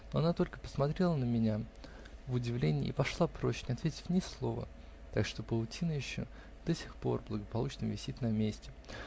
но она только посмотрела на меня в удивлении и пошла прочь, не ответив ни слова, так что паутина еще до сих пор благополучно висит на месте.